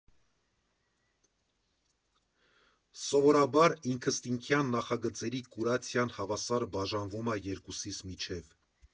Սովորաբար ինքնըստինքյան նախագծերի կուրացիան հավասար բաժանվում ա երկուսիս միջև։